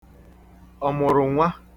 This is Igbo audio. ọ̀mụ̀rụ̀nwa